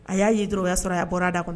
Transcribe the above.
A y'a yei dɔrɔnya sɔrɔ a bɔra a da kɔnɔ